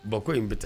Bon ko in bɛ